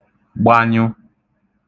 gbanyụ